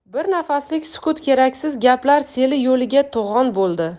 bir nafaslik sukut keraksiz gaplar seli yo'liga to'g'on bo'ldi